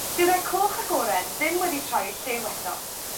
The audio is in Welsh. Dyw rai coch ag oren ddim wedi troi eu lliw eto